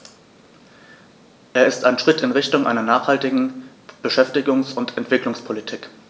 Er ist ein Schritt in Richtung einer nachhaltigen Beschäftigungs- und Entwicklungspolitik.